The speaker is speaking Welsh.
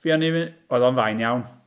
Fuon ni'n m- oedd o'n fain iawn...